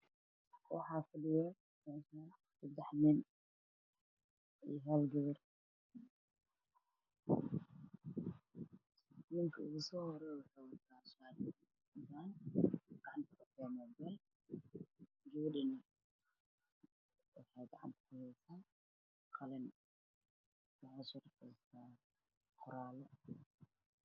Meeshan waa meel xayay sawirka hoose waxaa ka muuqda niman iyo naga fadhiyo naag ayaa taagan cashar ay sharaxaysaa laabtood ayaa u daaran